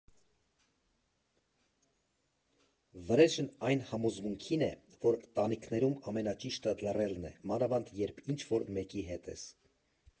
Վրեժն այն համուզմունքին է, որ տանիքներում ամենաճիշտը լռելն է, մանավանդ երբ ինչ֊որ մեկի հետ ես։